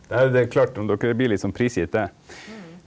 nei det er klart om dokker blir litt sånn prisgitt det.